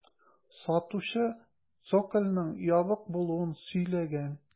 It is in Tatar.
Сатучы цокольның ябык булуын сөйләгән.